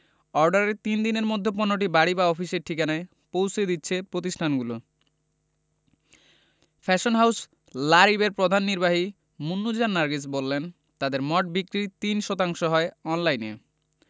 অর্ডারের তিন দিনের মধ্যে পণ্যটি বাড়ি বা অফিসের ঠিকানায় পৌঁছে দিচ্ছে প্রতিষ্ঠানগুলো ফ্যাশন হাউস লা রিবের প্রধান নির্বাহী মুন্নুজান নার্গিস বললেন তাঁদের মোট বিক্রির ৩ শতাংশ হয় অনলাইনে